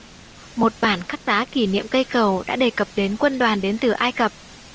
một bản khắc đá kỷ niệm cây cầu đã đề cập đến quân đoàn đến từ ai cập